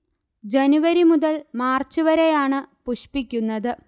ജനുവരി മുതൽ മാർച്ച് വരെയാണ് പുഷ്പിക്കുന്നത്